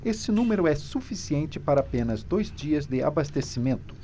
esse número é suficiente para apenas dois dias de abastecimento